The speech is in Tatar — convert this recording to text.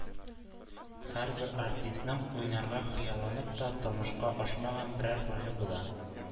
Һәрбер артистның, уйнарга хыялланып та, тормышка ашмаган берәр роле була.